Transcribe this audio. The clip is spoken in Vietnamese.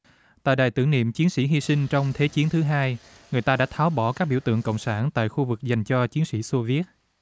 tại đài tưởng niệm chiến sĩ hi sinh trong thế chiến thứ hai người ta đã tháo bỏ các biểu tượng cộng sản tại khu vực dành cho chiến sĩ xô viết